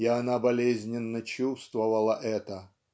и она болезненно чувствовала это".